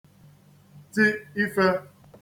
ti ifē